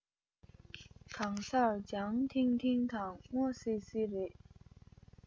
གང སར ལྗང ཐིང ཐིང དང སྔོ སིལ སིལ རེད